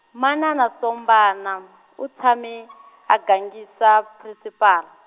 manana Sombana, u tshame , a gangisa, prinsipala.